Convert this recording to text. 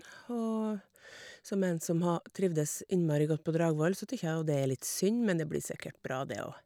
Og som en som har trivdes innmari godt på Dragvoll så tykkje jeg jo det er litt synd, men det blir sikker bra det òg.